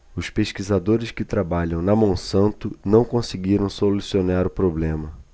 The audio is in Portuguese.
os pesquisadores que trabalham na monsanto não conseguiram solucionar o problema